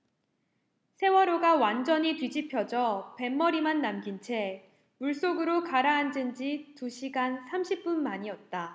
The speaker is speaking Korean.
세월호가 완전히 뒤집혀져 뱃머리만 남긴 채 물속으로 가라앉은 지 두 시간 삼십 분 만이었다